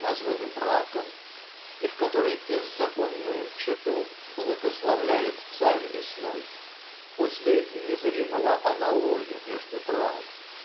названы браком и в которой беззаконную чету благословляет Царь Лесной -- подле незримого аналоя между трав.